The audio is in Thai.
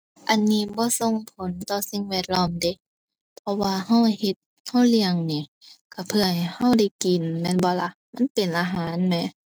อันนี้บ่ส่งผลต่อสิ่งแวดล้อมเดะ เพราะว่าเราเฮ็ด เราเลี้ยงนี่ เราเพื่อให้เราได้กิน แม่นบ่ล่ะ มันเป็นอาหารแหม